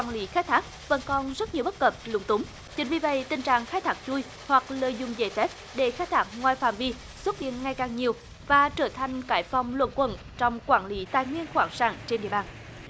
quản lý khai thác vẫn còn rất nhiều bất cập lúng túng chính vì vậy tình trạng khai thác chui hoặc lợi dụng giấy phép để khai thác ngoài phạm vi hiện ngày càng nhiều và trở thành cái vòng luẩn quẩn trong quản lý tài nguyên khoáng sản trên địa bàn